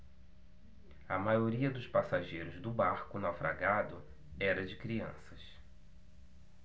a maioria dos passageiros do barco naufragado era de crianças